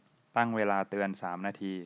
ตั้งเวลาเตือนสามนาที